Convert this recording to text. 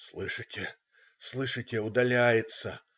"Слышите, слышите - удаляется!